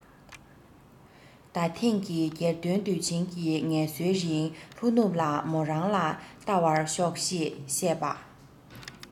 ད ཐེངས ཀྱི རྒྱལ སྟོན དུས ཆེན གྱི ངལ གསོའི རིང ལྷོ ནུབ ལ མོ རང ལ བལྟ བར ཤོག ཅེས བྱས པས